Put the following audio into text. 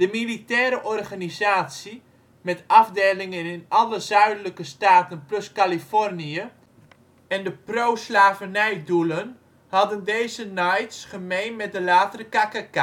militaire organisatie - met afdelingen in alle zuidelijke staten plus Californië - en de pro-slavernij-doelen hadden deze Knights gemeen met de latere KKK. De